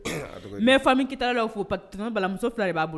A dɔgɔni, me famille kitala dɔ fo, pak tonton Bala muso fila ye b'a bo